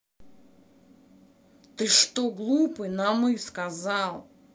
ты что глупый на мы сказал